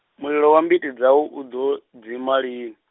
mulilo wa mbiti dzau, u ḓo, dzima lini?